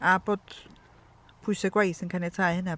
A bod pwysau gwaith yn caniatáu hynna.